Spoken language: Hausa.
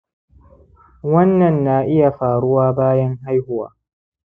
wannan na iya faruwa bayan haihuwa